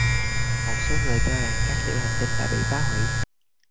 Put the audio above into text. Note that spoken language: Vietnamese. một số người cho rằng các tiểu hành tinh đã bị phá hủy